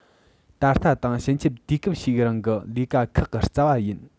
ད ལྟ དང ཕྱིན ཆད དུས སྐབས ཤིག རིང གི ལས ཀ ཁག གི རྩ བ ཡིན